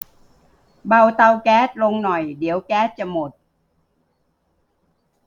เบาเตาแก๊สลงหน่อยเดี๋ยวแก๊สจะหมด